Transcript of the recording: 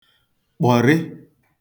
kpọ̀rị